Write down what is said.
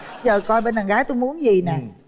giờ con bên đằng gái có muốn gì nè